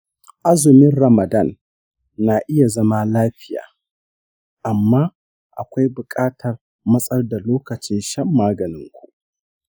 azumin ramadan na iya zama lafiya amma akwai buƙatar matsar da lokacin shan maganin ku.